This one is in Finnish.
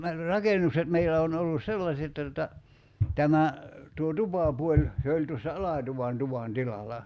rakennukset meillä on ollut sellaiset jotta tuota tämä tuo tupapuoli se oli tuossa alatuvan tuvan tilalla